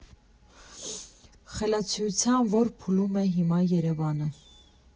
Խելացիության ո՞ր փուլում է հիմա Երևանը։